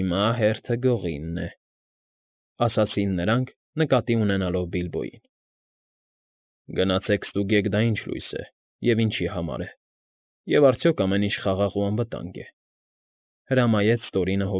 Հիմա հերթը Գողինն է, ֊ ասացին նրանք՝ նկատի ունենալով Բիլբոյին։ ֊ Գնացեք ստուգեք, դա ինչ լույս է, և ինչի համար է, և արդյոք ամեն ինչ խաղաղ ու անվտա՞նգ է, ֊ հրամայեց Տորինը։